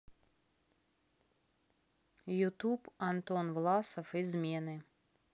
ютуб антон власов измены